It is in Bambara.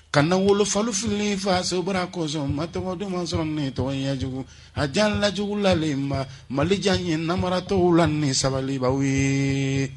Ka wolofalofiini fasobara kɔsɔn ma tɔgɔdenw sɔrɔ nin tɔgɔ ɲɛj a jan laj lalenba mali jan ye namaratɔ la ni sabalibaw ye